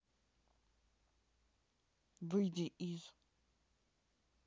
выйди из